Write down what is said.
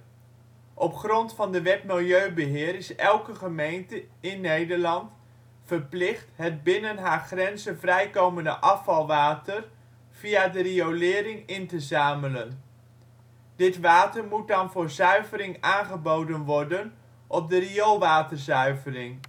Op grond van de Wet milieubeheer is elke gemeente, in Nederland, verplicht het binnen haar grenzen vrijkomende afvalwater via de riolering in te zamelen. Dit water moet dan voor zuivering aangeboden worden op de rioolwaterzuivering